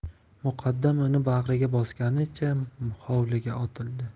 muqaddam uni bag'riga bosganicha hovliga otildi